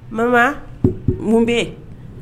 Mama, mun bɛ yen?